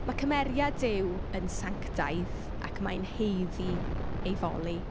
Ma' cymeriad Duw yn sanctaidd ac mae'n haeddu ei foli.